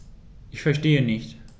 Ich verstehe nicht.